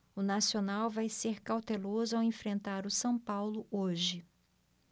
o nacional vai ser cauteloso ao enfrentar o são paulo hoje